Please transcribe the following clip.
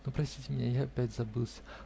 Но простите меня, я опять забылся